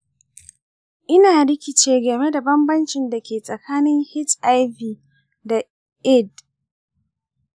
ina rikice game da banbancin da ke tsakanin hiv da aids.